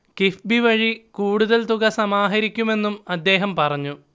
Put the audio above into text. കിഫ്ബി വഴി കൂടുതൽ തുക സമാഹരിക്കുമെന്നും അദ്ദേഹം പറഞ്ഞു